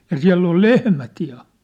ja siellä oli lehmät ja